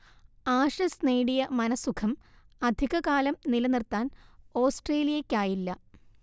Ashes നേടിയ മനഃസുഖം അധിക കാലം നിലനിർത്താൻ ഓസ്ട്രേലിയയ്ക്കായില്ല